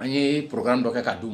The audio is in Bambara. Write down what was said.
An ye pkan dɔ kɛ k'a dun